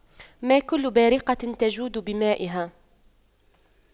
ما كل بارقة تجود بمائها